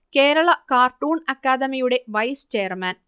Kerala cartoon അക്കാദമിയുടെ vice chairman